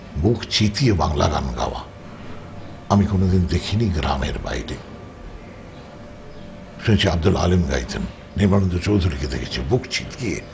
বুক চিতিয়ে বাংলা গান গাওয়া আমি কোনদিন দেখিনি গ্রামের বাইরে শুনেছি আব্দুল আলিম গাইতেন নির্মলেন্দু চৌধুরী কে দেখেছি বুক চিতিয়ে